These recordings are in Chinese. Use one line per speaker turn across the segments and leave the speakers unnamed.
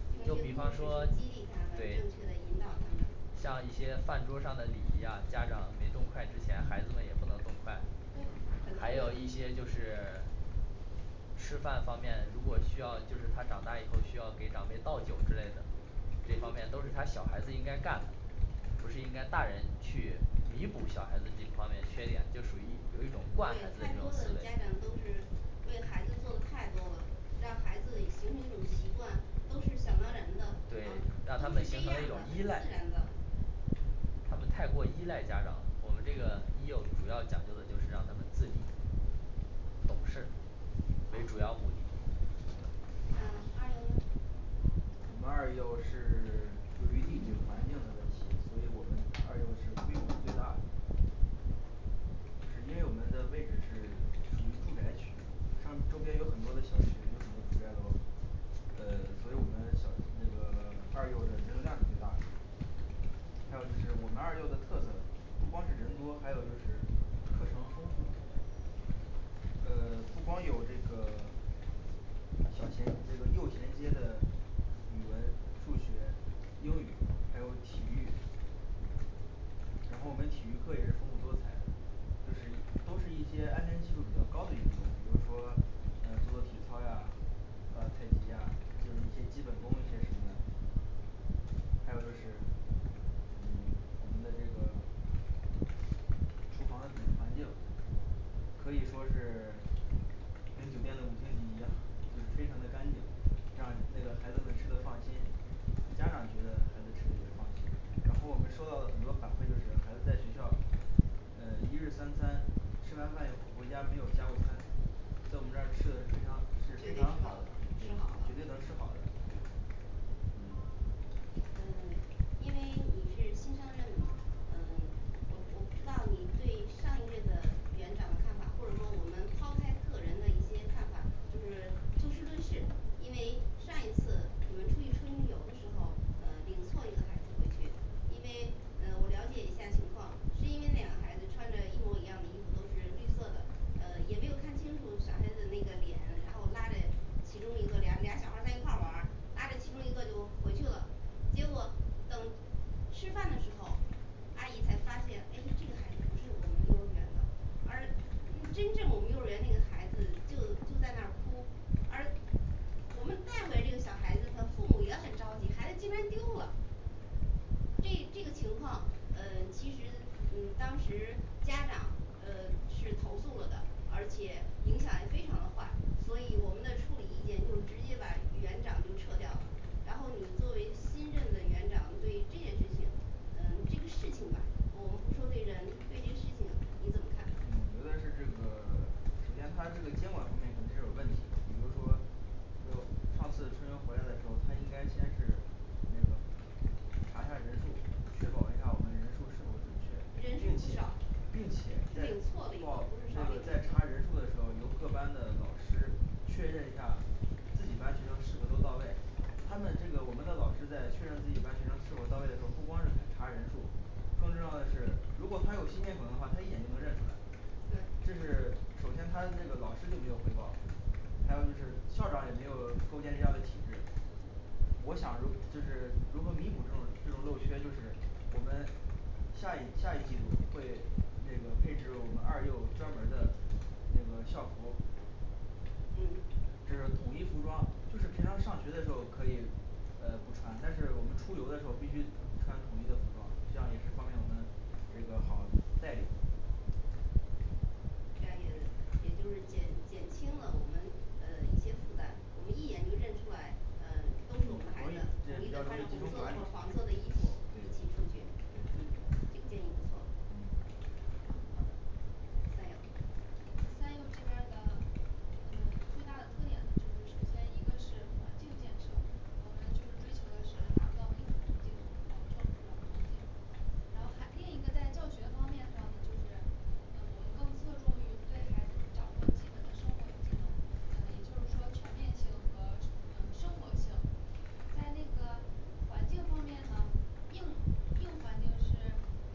正确激励他们正确的
就比方说对
引导他们
像一些饭桌儿上的礼仪啊家长没动筷之前孩子们也
嗯
不能动筷，还有一些就是吃饭方面，如果需要就是他长大以后需要给长辈倒酒之类的这方面都是他小孩子应该干的，不是应该大人去弥补小孩子这方面的缺点，就是属于有一
对
种惯孩子的
太
这种
多
行
的家长都
为
是为孩子做的太多了，让孩子形成一种习惯，都是想当然的，都是这
对
样
让他
的，
们
很
形成一种
自
依赖
然的
他们太过依赖家长了，我们这个一幼主要讲究的就是让他们自立懂事
好呃
为主要目的
二幼呢
我们二幼是 由于地理环境的问题，所以我们二幼是规模是最大的就是因为我们的位置是属于住宅区，上周边有很多的小区，有很多住宅楼，呃所以我们小这个 二幼的人流量是最大的还有就是我们二幼的特色不光是人多还有就是课程丰富呃 不光有这个小衔这个右衔接的语文数学英语还有体育然后我们体育课也是丰富多彩的就是都是一些安全系数比较高的运动，比如说嗯做做体操呀打打太极呀就是一些基本功一些什么的还有就是嗯我们的这个厨房的环境可以说是 跟酒店的五星级一样，就是非常的干净，让那个孩子们吃的放心，家长觉得孩子吃的也放心，然后我们收到了很多反馈就是孩子在学校呃一日三餐吃完饭回家没有加过餐，在我们这儿吃的是非常是非常好的，就绝对能吃好的
嗯
嗯因为你是新上任的嘛呃我我不知道你对上一届的园长的看法，或者说我们抛开个人的一些看法就是
就事论事，因为上一次你们出去春游的时候呃领错一个孩子回去，因为呃我了解一下情况，是因为那两个孩子穿着一模一样的衣服都是绿色的，呃也没有看清楚小孩子那个脸，然后拉着
其中一个俩俩小孩儿在一块玩儿拉着其中一个就回去了结果等吃饭的时候，阿姨才发现诶这个孩子不是我们幼儿园的，而真正我们幼儿园那个孩子就就在那儿哭，而
我们带回来这个小孩子他的父母也很着急，孩子竟然丢了这这个情况呃其实嗯当时家长呃是投诉了的，而且影响也非常的坏，所以我们的处理意见就直接把园长就撤掉了
然后你作为新任的园长对这件事情，呃这个事情吧我们不说对人对这个事情你怎么看，
我觉得是这个首先它这个个监管方面肯定是有问题的，比如说就上次春游回来的时候，他应该先是那个查一下人数，确保一下我们人数是否准确
人
并
数不
且
少
并且
是
在
领错了一个
报
不是
这
少领了
个
一
在查人
个
数的时候由各班的老师确认一下自己班学生是否都到位。他们这个我们的老师在确认自己班学生是否到位的时候，不光是看查人数，更重要的是如果他有新面孔的话，他一眼就能认出来这
对
是首先他的这个老师就没有汇报，还有就是校长也没有构建这样的体制我想如就是如何弥补这种这种漏缺，就是我们下一下一季度会那个配置我们二幼专门儿的那个校服儿
嗯
这是统一服装，就是平常上学的时候可以呃不穿，但是我们出游的时候必须穿统一的服装，这样也是方便我们这个好带领
这样也就是减减轻了我们呃一些负担，我们一眼就认出来呃都是我们的孩
所以
子
这
统
样比
一
较
都穿
容易
上
集中
红色
管理
和黄色的衣服一起
对
出去，这个建议不错
嗯
三幼
我们三幼这边儿的嗯最大的特点就是首先一个是环境建设我们就是追求的是打造硬环境，保证软环境，然后还另一个在教学方面上呢就是呃我们更侧重于对孩子掌握基本的生活技能，呃也就是说全面性和呃生活性在那个环境方面呢硬硬环境是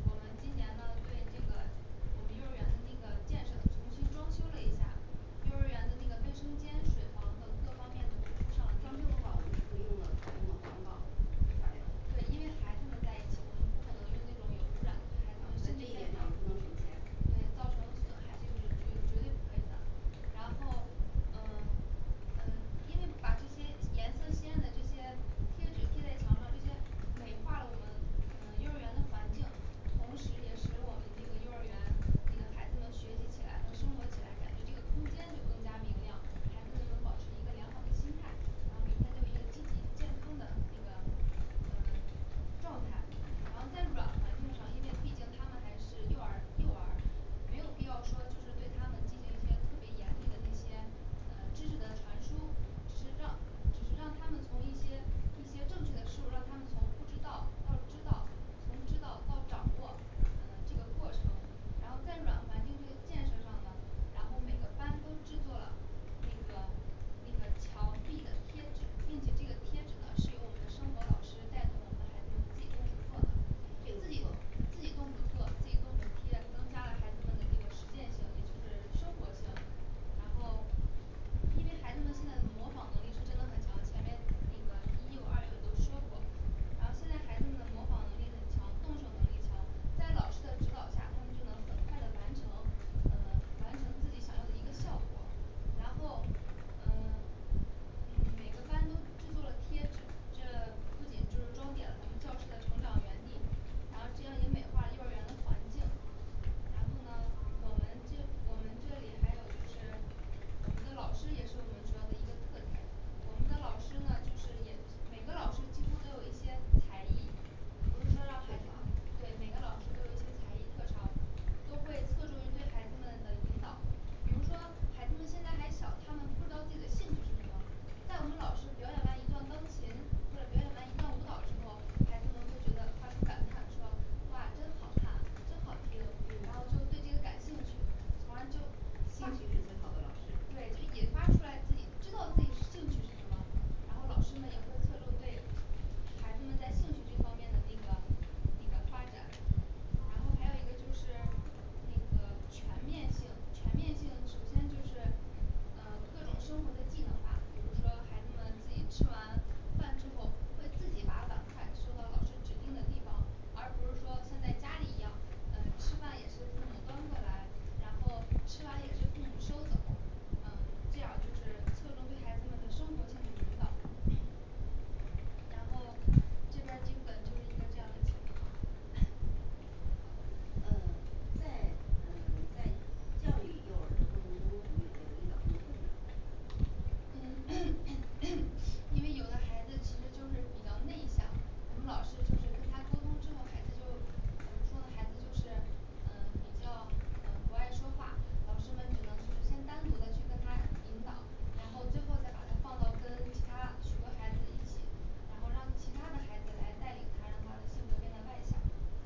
我们今年呢对这个我们幼儿园的那个建设重新装修了一下幼儿园的那个卫生间、水房等各方面的都铺上了
装修的话我们是不是用了采用了环保的材
对因为孩子
料
们在一起，我们不可能用那种有污染
啊
的对孩
在
子们
这一点上不能省
对
钱。
造成损害，这是绝对不可以的。然后呃嗯因为把这些颜色鲜艳的这些贴纸贴在墙上，这些美化了我们嗯幼儿园的环境同时也使我们那个幼儿园那个孩子们学习起来和生活起来，感觉这个空间就更加明亮。孩子们能保持一个良好的心态，然后每天都有一个积极健康的那个呃状态，然后在软环境上，因为毕竟他们还是幼儿幼儿没有必要说就是对他们进行一些特别严厉的那些嗯知识的传输，只是让只是让他们从一些一些正确的事物，让他们从不知道到知道从知道到掌握嗯这个过程，然后在软环境这个建设上呢，然后每个班都制作了那个那个墙壁的贴纸，并且这个贴纸呢是由我们的生活老师带动我们的孩子们自己动手做的
自己动
自己动手做，自己动手贴，增加了孩子们的这个实践性就是生活性然后因为孩子们现在的模仿能力是真的很强，前面那个一幼二幼也都说过，然后现在孩子们的模仿能力很强，动手能力强，在老师的指导下，他们就能很快的完成呃 完成自己想要的一个效果然后呃 嗯每个班都制作了贴纸，这不仅就是装点了咱们教师的成长园地，然后这样也美化了幼儿园的环境然后呢我们这我们这里还有就是我们的老师也是我们学校的一个特点，我们的老师呢就是也每个老师几乎都有一些才艺不是说
特
让孩子们
长
对每个老师都有一些才艺特长，都会侧重于对孩子们的引导比如说孩子们现在还小，他们不知道自己的兴趣是什么。在我们老师表演完一段钢琴或者表演完一段舞蹈之后，孩子们会觉得发出感叹说哇真好看真好听，然后就会
嗯
对这个感兴趣，从而就
兴
发
趣是最好的老师
对就引发出来自己知道自己兴趣是什么然后老师们也会侧重对孩子们在兴趣这方面的那个那个发展。然后还有一个就是那个全面性，全面性首先就是嗯各种生活的技能吧比如说孩子们自己吃完饭之后，会自己把碗筷收到老师指定的地方而不是说像在家里一样嗯吃饭也是父母端过来，然后吃完也是父母收走嗯这样就是侧重对孩子们的生活性的引导 然后这边儿基本就是一个这样的情况。
嗯在嗯在教育幼儿的过程中，我们有没有遇到什么困难
嗯 因为有的孩子其实就是比较内向我们老师就是跟他沟通之后，孩子就怎么说孩子就是嗯比较呃不爱说话，老师们只能先单独的去跟他引导然后最后再把他放到跟其他许多孩子一起然后让其他的孩子来带领他，让他的性格变得外向
嗯他这个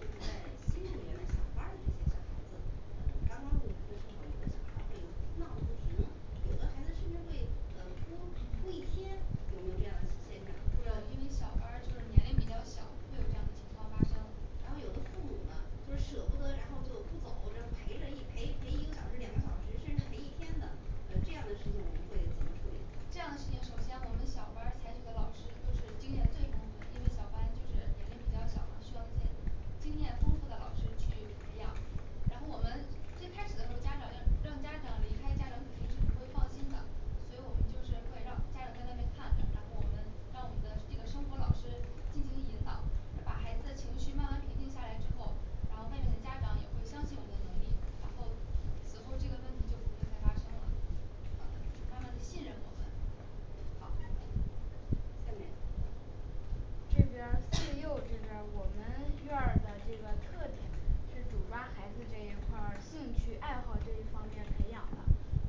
就是在新入园的小 班儿的这些小孩子呃刚刚入园的时候，有的小孩儿会哭闹的不停，有的孩子甚至会呃哭哭一天，有没有这样的现象
对因为小班儿就是年龄比较小，会有这样的情况发生，
然后有的父母呢就是舍不得，然后就不走然后陪个一陪陪一个小时两个小时甚至陪一天的呃这样的事情我们会怎么处理？
这样的事情首先我们小班儿采取的老师都是经验最丰富的，因为小班就是年龄比较小嘛，需要那些经验丰富的老师去培养，然后我们最开始的时候家长要让家长离开，家长肯定是不会放心的，所以我们就是会让家长在外面看着，然后我们让我们的这个生活老师进行引导要把孩子的情绪慢慢平静下来之后然后外面的家长也会相信我们的能力，然后此后这个问题就不会再发生了就
好的
慢慢的信任我们。
好，下面
这边儿四幼这边 儿我们院儿的这个特点是主抓孩子这一块儿兴趣爱好这一方面培养的，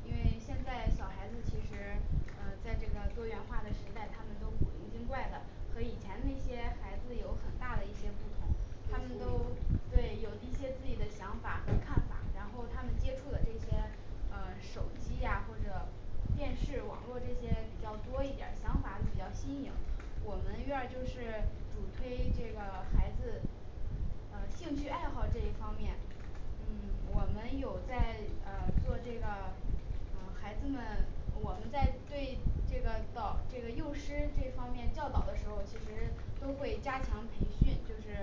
因为现在小孩子其实呃在这个多元化的时代，他们都古灵精怪的和以前那些孩子有很大的一些不同他们都对有一些自己的想法和看法，然后他们接触的这些嗯手机啊或者电视网络这些比较多一点儿想法都比较新颖。我们院儿就是主推这个孩子
呃兴趣爱好这一方面，嗯 我们有在呃做这个呃孩子们，我们在对这个到这个幼师这方面教导的时候儿，其实都会加强培训就是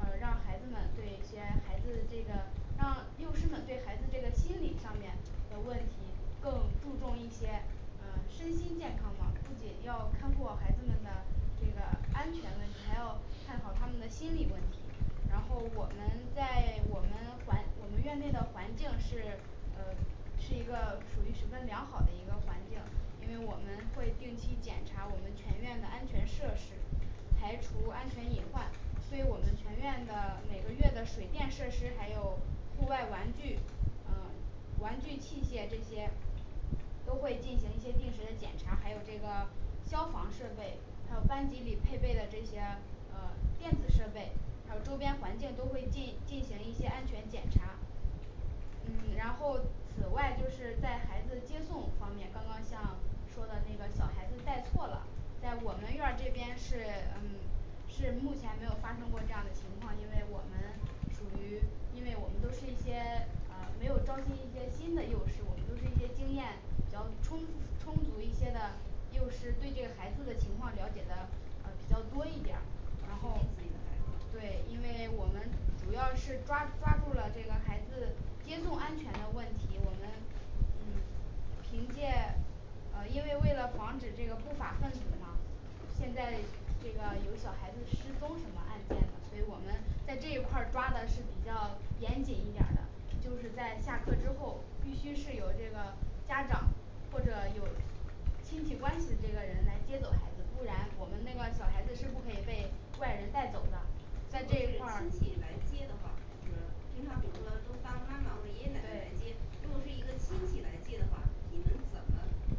呃让孩子们对一些孩子这个让幼师们对孩子这个心理上面的问题更注重一些嗯身心健康嘛不仅要看护孩子们的
那个安全问题，还要看好他们的心理问题，然后我们在我们环我们院内的环境是呃是一个属于十分良好的一个环境因为我们会定期检查我们全院的安全设施排除安全隐患，对我们全院的每个月的水电设施，还有户外玩具嗯玩具器械这些都会进行一些定时的检查，还有这个消防设备，还有班级里配备的这些呃电子设备，还有周边环境都会进进行一些安全检查嗯然后此外就是在孩子接送方面，刚刚像说的那个小孩子带错了，在我们院儿这边是 嗯是目前没有发生过这样的情况，因为我们属于因为我们都是一些 呃没有招进一些新的幼师，我们都是一些经验比较充充足一些的。幼师对这个孩子的情况了解的呃比较多一点儿然后对因为我们主要是抓抓住了这个孩子接送安全的问题，我们嗯凭借呃因为为了防止这个不法分子嘛现在这个有小孩子失踪什么案件的，所以我们在这一块儿抓的是比较严谨一点儿的就是在下课之后必须是有这个家长或者有亲戚关系这个人来接走孩子，不然我们那个小孩子是不可以被外人带走的
如果
在这一块儿
是亲戚来接的话就是平常比如说都是爸爸妈妈或者爷爷奶奶来接
对，
如果是一个亲戚来接的话你们怎么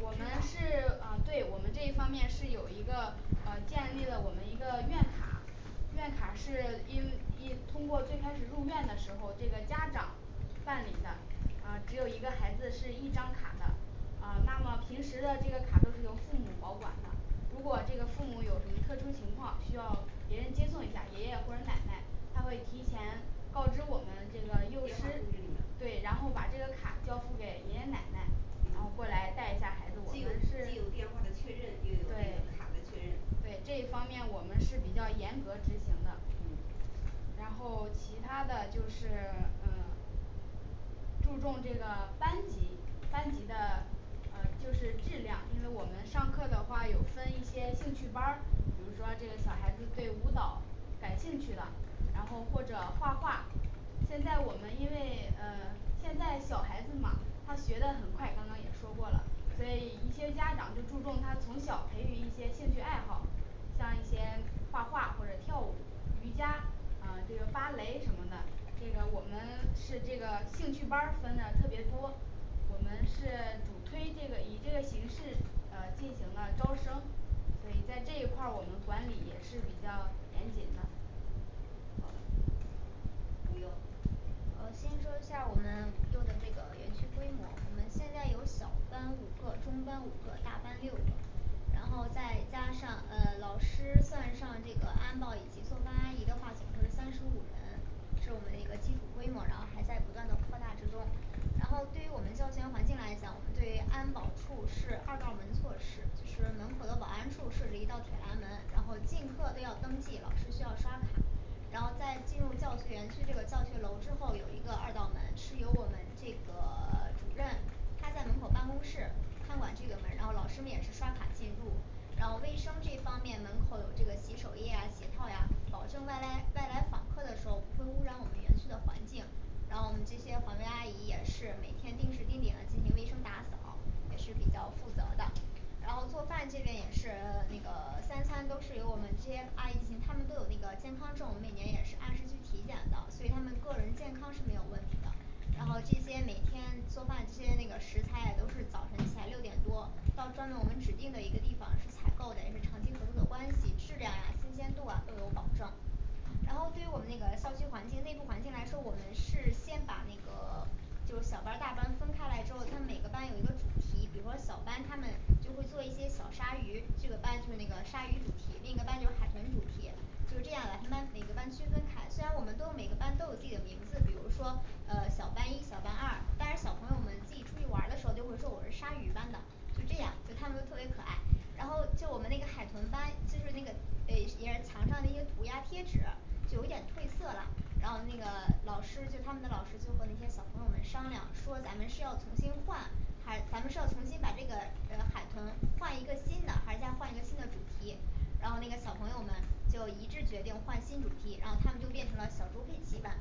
我们
道
是呃对我们这一方面是有一个呃建立了我们一个院卡，院卡是因一通过最开始入院的时候这个家长办理的呃只有一个孩子是一张卡的，呃那么平时的这个卡都是由父母保管的如果这个父母有什么特殊情况需要别人接送一下爷爷或者奶奶，他会提前告知我们这个
电话通知你
幼师，对，然
们
后把这个卡交付给爷爷奶奶，然后过
嗯
来带一下孩子，我们
既
是
有既
对
有电话的确认，又有这个卡的确认
对这一方面我们是比较严格执行的
嗯
然后其他的就是嗯注重这个班级班级的呃就是质量，因为我们上课的话有分一些兴趣班儿，比如说这个小孩子对舞蹈感兴趣了然后或者画画现在我们因为呃现在小孩子嘛他学得很快，刚刚也说过了，所以一些家长就注重他从小培育一些兴趣爱好，像一些画画或者跳舞瑜伽呃这个芭蕾什么的这个我们是这个兴趣班儿分的特别多我们是主推这个以这个形式呃进行了招生，所以在这一块儿我们管理也是比较严谨的
好的五幼
呃先说一下我们五幼的这个园区规模，我们现在有小班五个中班五个大班六个然后再加上嗯老师算上这个安保以及送餐阿姨的话，就是三十五人是我们的一个基础规模，然后还在不断的扩大之中。然后对于我们教学环境来讲，我们对于安保处是二道门措施，就是门口的保安处设置一道铁栏门，然后进客都要登记，老师需要刷卡然后在进入教学园区这个教学楼之后，有一个二道门是由我们这个 主任他在门口办公室看管这个门，然后老师们也是刷卡进入，然后卫生这方面门口有这个洗手液啊洗泡呀保证大家外来外来访客的时候会污染我们园区的环境然后我们这些环卫阿姨也是每天定时定点的进行卫生打扫也是比较负责的然后做饭这边也是呃那个三餐都是由我们这些阿姨她们都有那个健康证，我们每年也是按时去体检的，所以她们个人健康是没有问题的&嗯&然后这些每天做饭这些那个食材都是早晨起来六点多到专门我们指定的一个地方是采购的，也是长期合作的关系，质量啊新鲜度啊都有保障然后对于我们那个校区环境内部环境来说，我们是先把那个 就是小班儿大班儿分开来之后，他们每个班有一个主题比如说小班他们就会做一些小鲨鱼，这个班就是那个鲨鱼主题另一个班就是海豚主题就是这样来分班每个班区分开，虽然我们都每个班都有自己的名字，比如说呃小班一小班二，但是小朋友们自己出去玩儿的时候都会说我是鲨鱼班的，就是这样就是他们都特别可爱然后就我们那个海豚班就是那个诶也是墙上的一些涂鸦贴纸有一点退色啦然后那个老师就是他们的老师就和那些小朋友们商量说咱们是要重新换海咱们是要重新把这个呃海豚换一个新的，还是再换一个新的主题然后那个小朋友们就一致决定换新主题，然后他们就变成了小猪儿佩奇班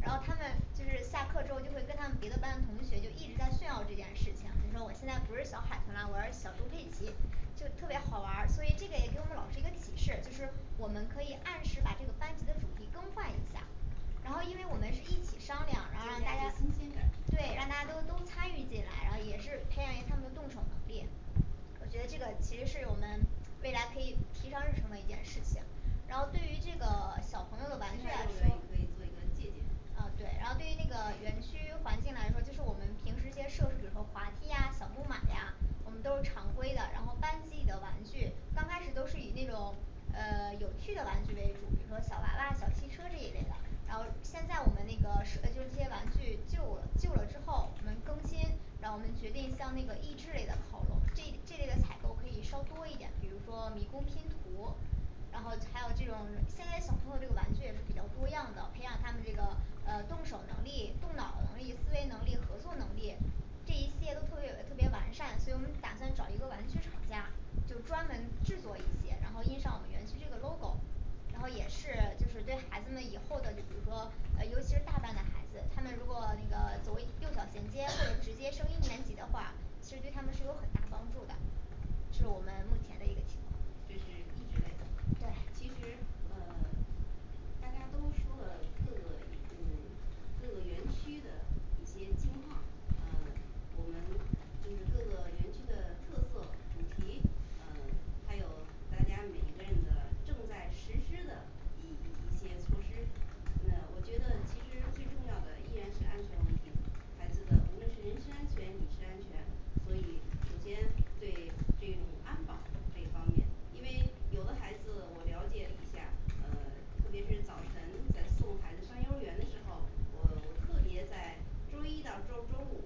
然后他们就是下课之后就会跟他们别的班的同学就一直在炫耀这件事情就说我现在不是小海豚啦我是小猪佩奇就特别好玩儿，所以这个也给我们老师一个启示，就是我们可以按时把这个班级的主题更换一下然后因为我们是一起商
有
量，然后让
这
大家
个新鲜感
对让大家都都参与进来，然后也是培养一个他们的动手能力，我觉得这个其实是我们未来可以提上日程的一件事情，然后对于这个 小朋
其他幼儿
友
园
吧嗯
也可以做一个借鉴
对，然后对于那个园区环境来说，就是我们平时一些设施里头滑梯呀小木马呀，我们都是常规的，然后班级里的玩具刚开始都是以那种呃 有趣的玩具为主比如说小娃娃小汽车这一类的然后现在我们那个 设就是这些玩具旧了旧了之后我们更新然后我们决定向那个益智类的靠拢这这类的采购可以稍多一点，比如说迷宫拼图然后还有这种 现在小朋友这个玩具也是比较多样的，培养他们这个呃动手能力、动脑能力、思维能力、合作能力这一系列都特别有特别完善，所以我们打算找一个玩具厂家就是专门制作一些，然后印上我们园区这个logo 然后也是就是对孩子们以后的，就比如说呃尤其是大班的孩子，他们如果那个读幼小衔接& &或者直接升一年级的话其实对他们是有很大帮助的是我们目前的一个情况
就是益智类的其
对
实呃 大家都说了各个嗯 各个园区的一些近况，呃 我们就是各个园区的特色主题，呃 还有大家每一个人的正在实施的一一一些措施那我觉得其实最重要的依然是安全问题，孩子的无论是人身安全饮食安全所以首先对这种安保这方面，因为有的孩子我了解了一下，呃 特别是早晨在送孩子上幼儿园的时候，我我特别在周一到周儿周儿五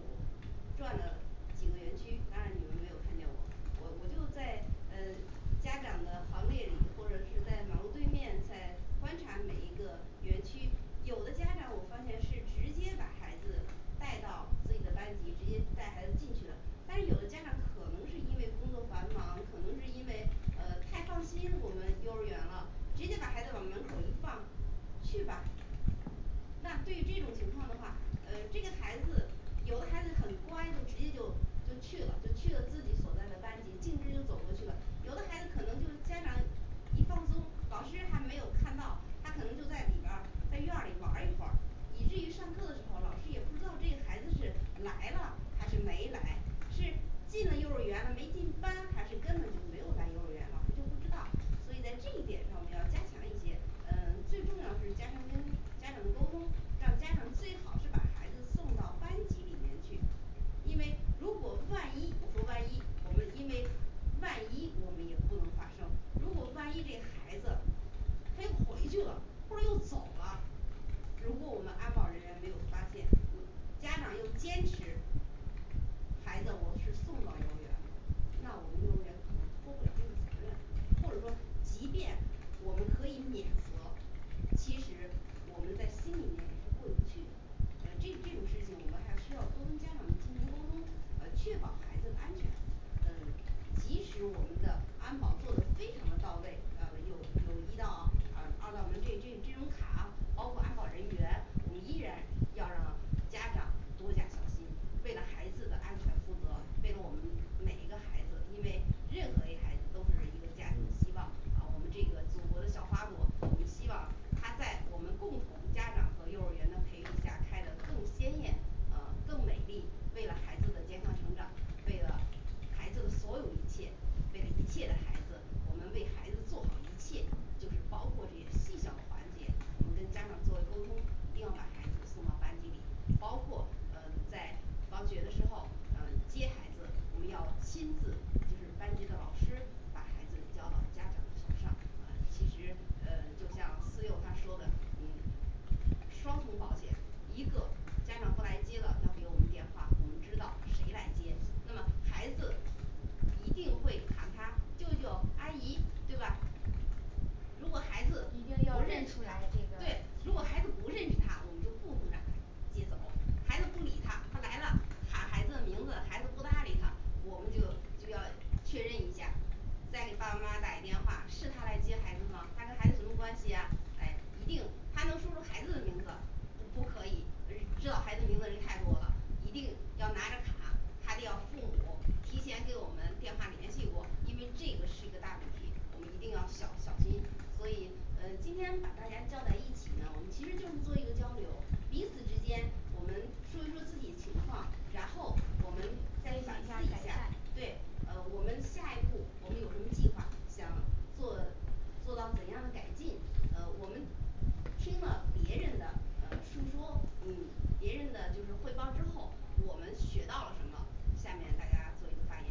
转了几个园区，当然你们没有看见我我我就在嗯 家长的行列里或者是在马路对面在观察每一个园区有的家长我发现是直接把孩子带到自己的班级直接带孩子进去了但是有的家长可能是因为工作繁忙可能是因为呃 太放心，我们幼儿园了直接把孩子往门口儿一放去吧那对于这种情况的话呃这个孩子有的孩子很乖，就直接就就去了就去了自己所在的班级径直就走过去了，有的孩子可能就是家长一放松，老师还没有看到，他可能就在里边儿在院儿里玩儿一会儿以至于上课的时候老师也不知道这个孩子是来了还是没来，是进了幼儿园了，没进班，还是根本就没有来幼儿园，老师就不知道。所以在这一点上我们要加强一些，呃 最重要是加强跟家长的沟通，让家长最好是把孩子送到班级里面去因为如果万一我说万一我们因为万一我们也不能发生，如果万一这孩子他又回去了或者又走了如果我们安保人员没有发现嗯家长又坚持孩子我是送到幼儿园了那我们幼儿园可能脱不了这个责任，或者说即便我们可以免责其实我们在心里面也是过意不去的，呃这这种事情我们还需要多跟家长进行沟通呃确保孩子的安全呃即使我们的安保做得非常的到位，呃有有一到呃二道门这这这种卡，包括安保人员，我们依然要让家长多加小心，为了孩子的安全负责，为了我们每一个孩子，因为任何一个孩子都是一个家庭的希望，
嗯
啊我们这个祖国的小花朵，我们希望他在我们共同家长和幼儿园的培育下开了更鲜艳呃更美丽，为了孩子的健康成长，为了孩子所有的一切为了一切的孩子，我们为孩子做好一切，就是包括这些细小的环节，我们跟家长做了沟通，一定要把孩子送到班级里包括嗯在放学的时候嗯接孩子，我们要亲自就是班级的老师把孩子交到家长的手上呃其实呃就像四幼她说的嗯双重保险一个家长不来接了，要给我们电话，我们知道谁来接，那么孩子一定会喊他舅舅阿姨对吧如果孩子不
一
认
定要认出来
对，如
这
果
个
孩子不
亲人
认识他，我们就不能让他接走，孩子不理他，他来了喊孩子的名字，孩子不搭理他，我们就就要确认一下再给爸爸妈妈打一电话是他来接孩子吗？他跟孩子什么关系呀哎一定他能说出孩子的名字的都可以知道孩子名字的人太多了，一定要拿着卡还得要父母提前给我们电话联系过，因为这个是一个大问题，我们一定要小小心，所以呃今天把大家叫在一起呢，我们其实就是做一个交流彼此之间我们说一说自己的情况，然后
给进行一
我们再
些
反
下
思一
改
下
善
对呃我们下一步我们有什么计划，想做，做到怎样的改进呃我们听了别人的呃述说嗯，别人的就是汇报之后，我们学到了什么下面大家做一个发言